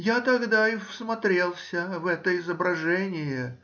Я тогда и всмотрелся в это изображение.